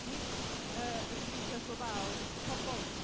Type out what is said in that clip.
nid y y gymdeithas lofaol, pobol.